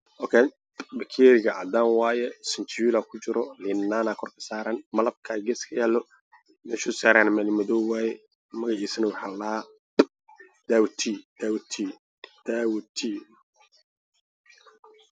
Meeshaan waxaa iiga muuqda miis xasaaran koob cabitaan ku jiro ayaa korka suran